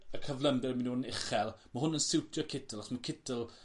y cyflymder myn' i fod yn uche. Ma' hwn yn siwtio Kittel achos ma' Kittel